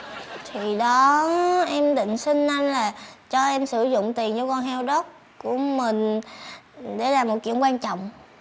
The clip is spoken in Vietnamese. thì đó em định xin anh là cho em sử dụng tiền cho con heo đất của mình để làm một chuyện quan trọng